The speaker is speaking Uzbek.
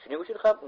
shuning uchun ham